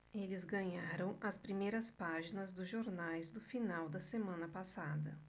eles ganharam as primeiras páginas dos jornais do final da semana passada